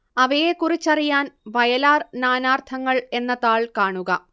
അവയെക്കുറിച്ചറിയാൻ വയലാർ നാനാർത്ഥങ്ങൾ എന്ന താൾ കാണുക